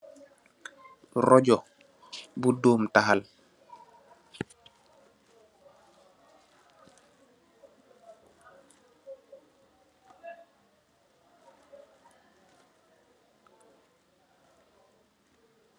Rojoh bu doom tahal.